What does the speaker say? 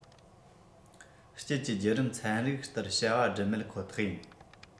དཀྱིལ གྱི བརྒྱུད རིམ ཚན རིག ལྟར བྱ བ བསྒྲུབ མེད ཁོ ཐག ཡིན